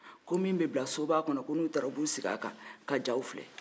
ko min bɛ bila soba kɔnɔ ko n'u taara u bu sigi kan ka jaw filɛ